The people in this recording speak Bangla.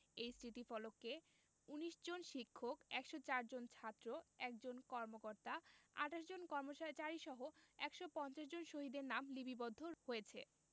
এই স্থিতিফলকে ১৯ জন শিক্ষক ১০৪ জন ছাত্র ১ জন কর্মকর্তা ২৮ জন কর্মচারীসহ ১৫০ জন শহীদের নাম লিপিবদ্ধ হয়েছে